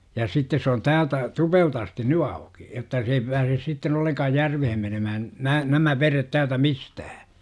ja sitten se on täältä Tupelta asti nyt auki jotta se ei pääse sitten ollenkaan järveen menemään nämä nämä vedet täältä mistään